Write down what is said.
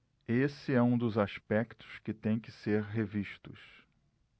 esse é um dos aspectos que têm que ser revistos